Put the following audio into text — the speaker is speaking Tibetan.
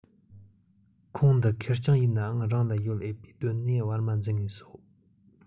ཁོངས འདི ཁེར རྐྱང ཡིན ནའང རང ལ ཡོད འོས པའི སྡོད གནས བར མ འཛིན ངེས སོ